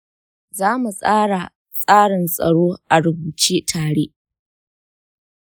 zamu tsara tsarin tsaro a rubuce tare.